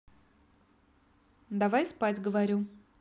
давай спать говорю